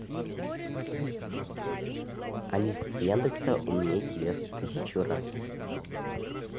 алиса от яндекса умнее тебя тысячу раз